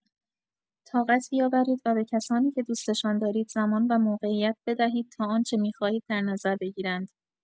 طاقت بیاورید و به کسانی که دوستشان دارید زمان و موقعیت بدهید تا آنچه می‌خواهید در نظر بگیرند.